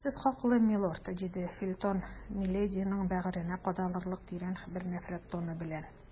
Сез хаклы, милорд, - диде Фельтон милединың бәгыренә кадалырлык тирән бер нәфрәт тоны белән.